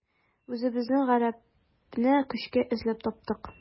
Үзебезнең гарәпне көчкә эзләп таптык.